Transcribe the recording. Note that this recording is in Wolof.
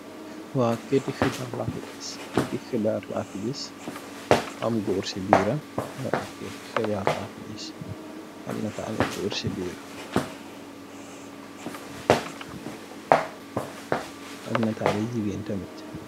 Kayiti xibarr la fi ngis, am gór ci biir am ak nittali gigeen tamid.